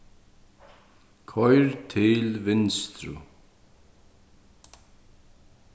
koyr til vinstru